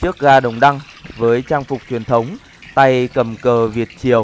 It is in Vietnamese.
trước ga đồng đăng với trang phục truyền thống tay cầm cờ việt triều